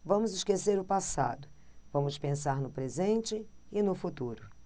vamos esquecer o passado vamos pensar no presente e no futuro